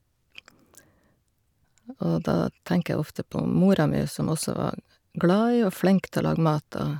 Og da tenker jeg ofte på mora mi som også var glad i, og flink til, å lage mat, og...